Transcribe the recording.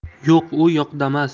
yo'q u yoqdamas